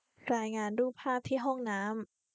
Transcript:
รายงานรูปภาพที่ห้องน้ำ